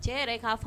Cɛ yɛrɛ k'a